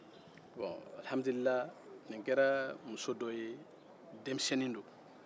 bɔn alihamduliyi nin kɛra muso dɔ ye denmisɛnnin don